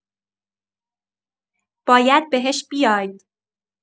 باید بهش بیاید.